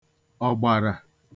ọ̀gbàrà